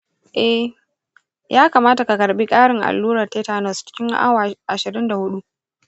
eh, ya kamata ka karɓi ƙarin allurar tetanus cikin awa ashirin da hudu.